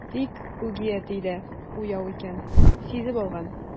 Тик үги әти дә уяу икән, сизеп алган.